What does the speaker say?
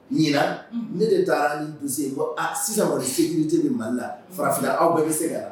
Ɲin ne de taa ni donso bɔ sisan fite bɛ mali la farafin aw bɛɛ bɛ se ka